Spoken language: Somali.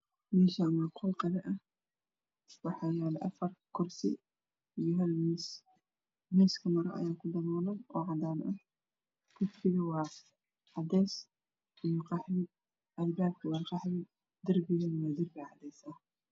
Meshan waa qol qado ah waxayo afar kursi io miis waxa ku dabolan maro cadan ah kursiga waa cades io qaxwi albaabka waa qaxwi dirbiga waa cades